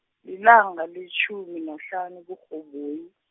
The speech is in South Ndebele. lilanga letjhumi nahlanu kuRhoboyi.